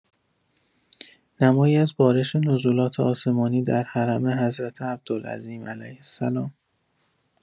نمایی از بارش نزولات آسمانی در حرم حضرت عبدالعظیم (ع)